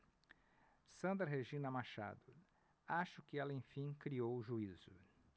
sandra regina machado acho que ela enfim criou juízo